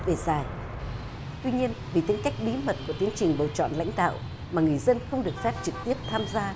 về dài tuy nhiên vì tính cách bí mật của tiến trình bầu chọn lãnh đạo mà người dân không được phép trực tiếp tham gia